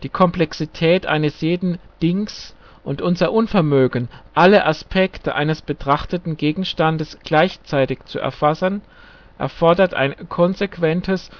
Komplexität eines jeden " Dings " und unser Unvermögen, alle Aspekte eines betrachteten Gegenstandes gleichzeitig zu erfassen, erfordern ein konsequentes